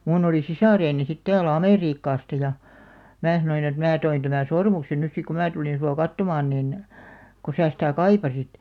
minun oli sisareni sitten täällä Amerikasta ja minä sanoin että minä toin tämän sormuksen nyt sitten kun minä tulin sinua katsomaan niin kun sinä sitä kaipasit